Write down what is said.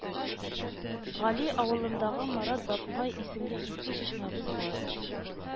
Гали авылындагы Морат бабкай исемле изге чишмәбез бар